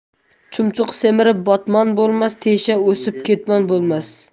chumchuq semirib botmon bo'lmas tesha o'sib ketmon bo'lmas